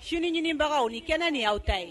Suɲinibagaw ni kɛnɛ nin y awaw ta ye